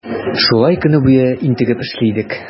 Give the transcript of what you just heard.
Шулай көне буе интегеп эшли идек.